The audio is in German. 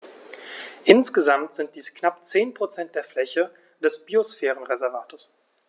Insgesamt sind dies knapp 10 % der Fläche des Biosphärenreservates.